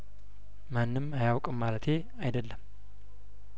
ማንም አያውቅም ማለቴ አይደለም